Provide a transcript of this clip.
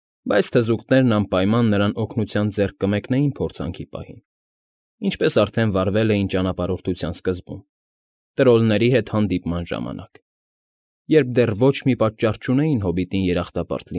Բայց թզուկներն անպայման նրան օգնության ձեռք կմեկնեին փորձանքի պահին, ինչպես արդեն վարվել էին ճանապարհորդության սկզբում, տրոլների հետ հանդիպման ժամանակ, երբ դեռ ոչ մի պատճառ չունեին հոբիտին երախտապարտ։